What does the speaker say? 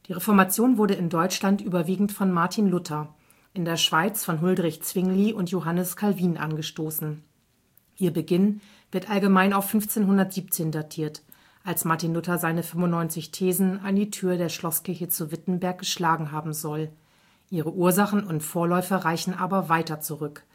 Reformation wurde in Deutschland überwiegend von Martin Luther, in der Schweiz von Huldrych Zwingli und Johannes Calvin angestoßen. Ihr Beginn wird allgemein auf 1517 datiert, als Martin Luther seine 95 Thesen an die Tür der Schlosskirche zu Wittenberg geschlagen haben soll, aber ihre Ursachen und Vorläufer reichen weiter zurück